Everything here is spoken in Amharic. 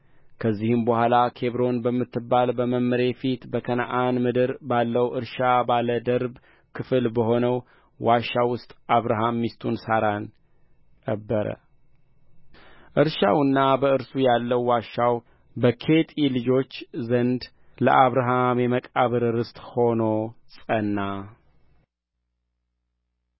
ከዚህም በኋላ ኬብሮን በምትባል በመምሬ ፊት በከነዓን ምድር ባለው እርሻ ባለ ድርብ ክፍል በሆነው ዋሻ ውስጥ አብርሃም ሚስቱን ሣራን ቀበረ እርሻውና በእርሱ ያለው ዋሻው በኬጢ ልጆች ዘንድ ለአብርሃም የመቃብር ርስት ሆኖ ጸና